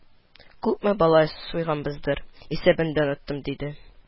Күпме бала суйганбыздыр, исәбен дә оныттым, – диде